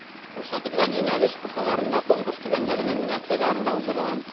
Күрсәтелгән юнәлеш кысаларында Конкурс түбәндәге номинацияләрдә уздырыла: